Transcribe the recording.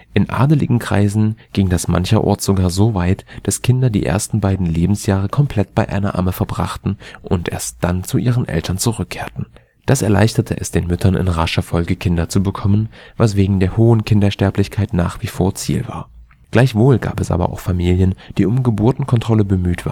In adeligen Kreisen ging das mancherorts sogar so weit, dass Kinder die ersten beiden Lebensjahre komplett bei einer Amme verbrachten und erst dann zu ihren Eltern zurückkehrten. Das erleichterte es den Müttern, in rascher Folge Kinder zu bekommen, was wegen der hohen Kindersterblichkeit nach wie vor Ziel war. Gleichwohl gab es aber auch Familien, die um Geburtenkontrolle bemüht